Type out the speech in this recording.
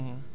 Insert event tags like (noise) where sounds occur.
(hesitation) (hesitation)